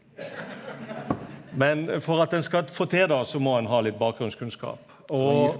men for at ein skal få til det så må ein ha litt bakgrunnskunnskap og.